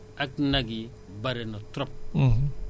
bu ñu xoolee rekk taw yi passé